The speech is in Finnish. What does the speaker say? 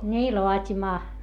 niin laatimaan